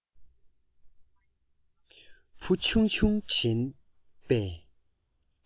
བུ ཆུང ཆུང དྲགས པས